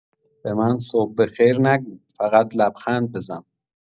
به من صبح بخیر نگو، فقط لبخند بزن!